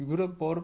yugurib borib